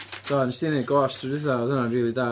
Do nes 'di neud ghost tro dwytha, oedd hwnna'n rili da.